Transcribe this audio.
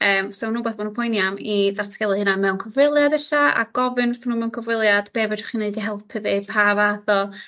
yym so ma'n wbath ma' nw'n poeni am i ddatgelu hynna mewn cyfweliad e'lla a gofyn wrthyn n'w mewn cyfweliad be' fedrwch chi neud i helpu fi pa fath o